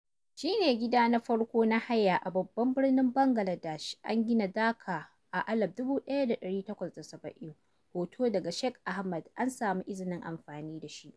Shi ne gida na farko na haya a babban birnin Bangaladesh, an gina Dhaka a 1870. Hoto daga Shakil Ahmed, an samu izinin amfani da shi.